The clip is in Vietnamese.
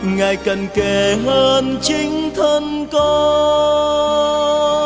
ngài cận kề hơn chính thân con